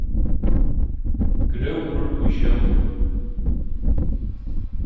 gróður í sjónum